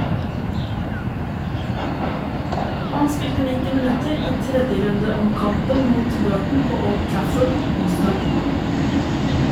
Han spilte 90 minutter i 3. runde-omkampen mot Burton på Old Trafford onsdag.